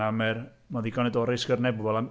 A mae'r... mae'n ddigon i dorri esgyrnau bobl.